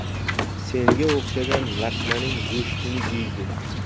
senga o'xshagan laqmalarning go'shtini yeydi